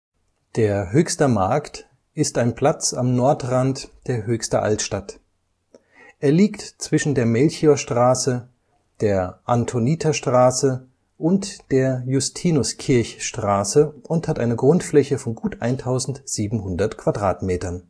Der Höchster Markt ist ein Platz am Nordrand der Höchster Altstadt. Er liegt zwischen der Melchiorstraße, der Antoniterstraße und der Justinuskirchstraße und hat eine Grundfläche von gut 1.700 m²